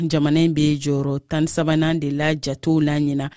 jamana in bɛ jɔyɔrɔ 13nan de la jatew la ɲinan